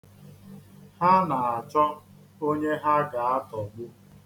Ha na-achọ onye ha ga-atọgbu.